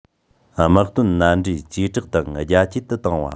དམག དོན མནའ འབྲེལ ཇེ དྲག དང རྒྱ སྐྱེད དུ བཏང བ